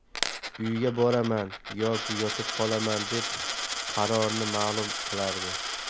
uyga boraman yoki yotib qolaman deb qarorini ma'lum qilardi